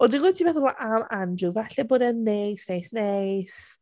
Ond dwi'n gwybod be ti'n meddwl yy am Andrew, falle bod e'n neis neis neis.